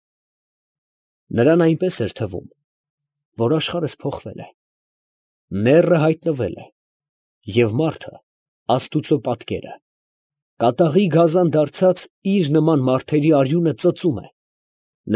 Նրան այնպես էր թվում, որ աշխարհս փոխվել է, Նեռը հայտնվել է, և մարդը, աստուծո պատկերը, կատաղի գազան դարձած իր նման մարդերի արյունը ծծում է,